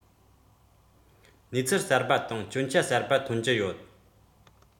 གནས ཚུལ གསར པ དང སྐྱོན ཆ གསར པ ཐོན གྱི ཡོད